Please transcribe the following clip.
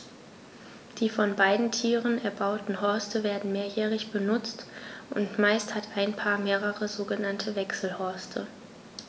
Die von beiden Tieren erbauten Horste werden mehrjährig benutzt, und meist hat ein Paar mehrere sogenannte Wechselhorste.